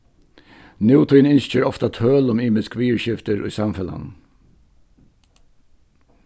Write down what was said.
nútíðin ynskir ofta tøl um ymisk viðurskiftir í samfelagnum